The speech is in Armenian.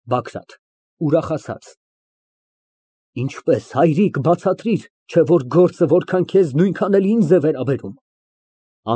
ԲԱԳՐԱՏ ֊ (Ուրախացած)։ Ինչպե՞ս, հայրիկ, բացատրիր, չէ՞ որ գործը որքան քեզ, նույնքան էլ ինձ է վերաբերվում։